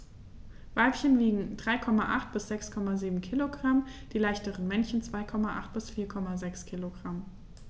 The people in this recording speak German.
Weibchen wiegen 3,8 bis 6,7 kg, die leichteren Männchen 2,8 bis 4,6 kg.